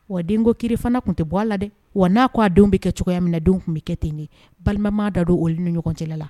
Wa denko kiri fana tun tɛ bɔ a la dɛ, wa n'a ko a denw bɛ kɛ cogoya min na, denw tun bɛ kɛ ten ye ,balima ma da don olu ni ɲɔgɔn cɛla la.